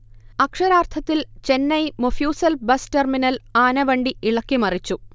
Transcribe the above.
അക്ഷരാർഥത്തിൽ Chennai mofussil bus terminal ആനവണ്ടി ഇളക്കി മറിച്ചു